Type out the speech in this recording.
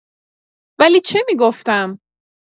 ولی چه می‌گفتم؟